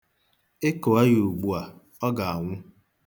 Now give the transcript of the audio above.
Ị kụọ ya ugbua ọ ga-anwụ.